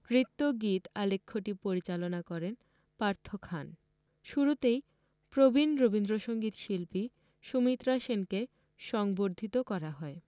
নৃত্য গীত আলেখ্যটি পরিচালনা করেন পার্থ খান শুরুতেই প্রবীণ রবীন্দ্রসংগীত শিল্পী সুমিত্রা সেনকে সংবর্ধিত করা হয়